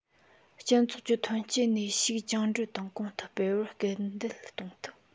སྤྱི ཚོགས ཀྱི ཐོན སྐྱེད ནུས ཤུགས བཅིངས འགྲོལ དང གོང དུ སྤེལ བར སྐུལ འདེད གཏོང ཐུབ